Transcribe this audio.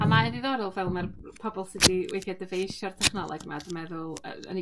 A mae yn ddiddorol fel ma'r pobol sy 'di wedi dyfeisio'r technoleg 'ma dwi meddwl yy o'n i